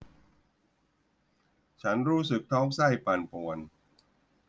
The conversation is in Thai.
ฉันรู้สึกท้องไส้ปั่นป่วน